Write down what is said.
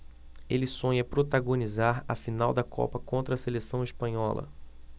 ele sonha protagonizar a final da copa contra a seleção espanhola